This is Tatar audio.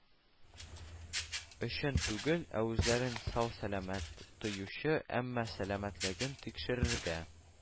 Өчен түгел, ә үзләрен сау-сәламәт тоючы, әмма сәламәтлеген тикшерергә